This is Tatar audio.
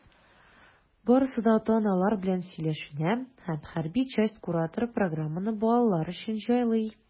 Барысы да ата-аналар белән сөйләшенә, һәм хәрби часть кураторы программаны балалар өчен җайлый.